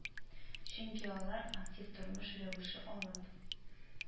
Чөнки алар, актив тормыш рәвеше алып